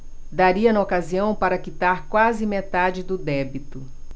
daria na ocasião para quitar quase metade do débito